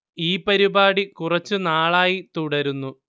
ഈ പരിപാടി കുറച്ചു നാളായി തുടരുന്നു